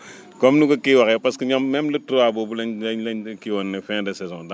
comme ni ko kii waxee presque ñoom même le trois boobu lañ lañ lañ kii woon ne fin de saison